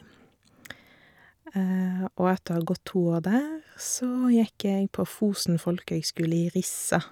Og etter å ha gått to år der så gikk jeg på Fosen Folkehøgskole i Rissa.